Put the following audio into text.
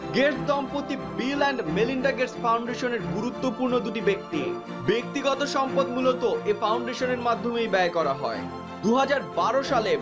Gates দম্পতি Bill and Melinda Gates foundation এর গুরুত্বপূর্ণ দুটি ব্যক্তি ব্যক্তিগত সম্পদ গুলো তো এ ফাউন্ডেশন এর মাধ্যমেই ব্যয় করা হয় ২০১২ সালে